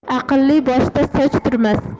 aqlli boshda soch turmas